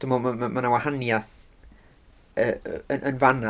Dwi'n meddwl ma' 'ma 'ma 'na wahaniaeth yy y yn fanna.